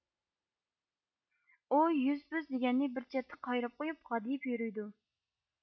ئۇ يۈز پۈز دېگەننى بىر چەتتە قايرىپ قويۇپ غادىيىپ يۈرۈيدۇ